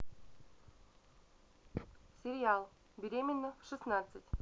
сериал беременна в шестнадцать